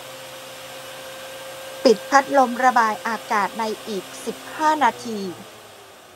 ปิดพัดลมระบายอากาศในอีกสิบห้านาที